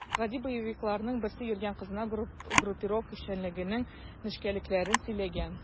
Гади боевикларның берсе йөргән кызына группировка эшчәнлегенең нечкәлекләрен сөйләгән.